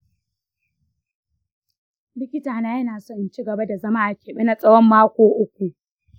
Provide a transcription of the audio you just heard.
likitana yana so in ci gaba da zama a keɓe na tsawon makonni uku.